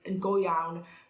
yn go iawn